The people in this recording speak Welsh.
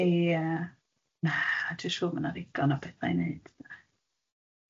Ia na dwi'n siŵr ma' na ddigon o bethau i wneud na.